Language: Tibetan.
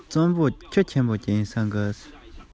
གྲོགས པོ གཉིས དང འདྲ བར